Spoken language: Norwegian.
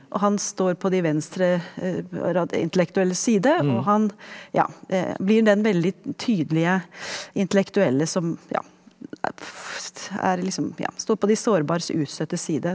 og han står på de venstre intellektuelles side og han ja blir den veldig tydelige, intellektuelle som ja er liksom ja står på de sårbares, utstøttes side.